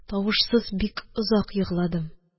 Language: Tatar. Тавышсыз бик озак егладым.